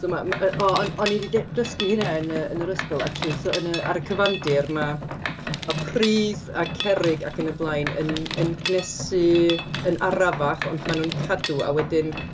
So ma' ma' yy o o'n o'n i 'di d- dysgu hynna yn y yn yr ysgol actually. So yn y... ar y cyfandir ma' ma' pridd a cerrig ac yn y blaen yn yn cynhesu yn arafach, ond ma' nhw'n cadw... a wedyn...